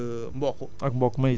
ak sorgho